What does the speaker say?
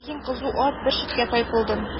Ләкин кызу ат бер читкә тайпылды.